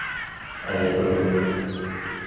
а я другой